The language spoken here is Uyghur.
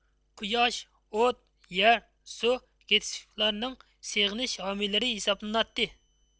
قۇياش ئوت يەر سۇ گىتسكىفلارنىڭ سېغىنىش ھامىيلىرى ھېسابلىناتتى